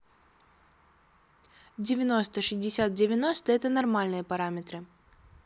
девяносто шестьдесят девяносто это нормальные параметры